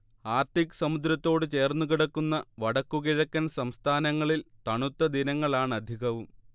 Arctic സമുദ്രത്തോട് ചേർന്നുകിടക്കുന്ന വടക്കു കിഴക്കൻ സംസ്ഥാനങ്ങളിൽ തണുത്ത ദിനങ്ങളാണധികവും